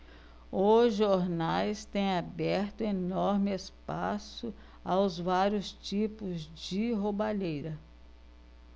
os jornais têm aberto enorme espaço aos vários tipos de roubalheira